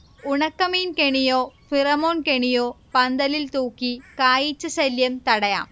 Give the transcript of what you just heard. ഉണക്കമീൻ കെണിയോ, ഫിറമോൺ കെണിയോ, പന്തലിൽ തൂക്കി കായീച്ചശല്യം തടയാം